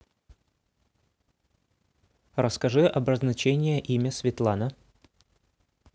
расскажи обозначение имя светлана